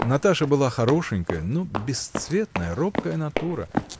— Наташа была хорошенькая, но бесцветная, робкая натура.